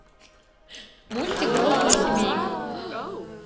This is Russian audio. мультик грозная семейка